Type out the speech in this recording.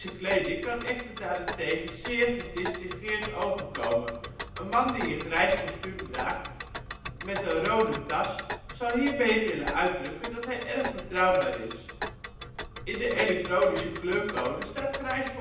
kleding kan echter daarentegen zeer gedistingeerd overkomen. Een man die een grijs kostuum draagt met een rode das zal hiermee willen uitdrukken dat hij erg betrouwbaar is. In de elektronische kleurcode staat grijs